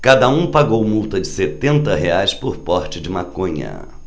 cada um pagou multa de setenta reais por porte de maconha